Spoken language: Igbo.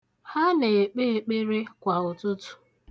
Ha na-ekpe ekpere kwa ụtụtụ.